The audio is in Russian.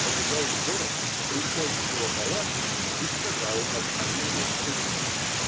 побежал в город, пришел в его палаты и сказал об олене слугам.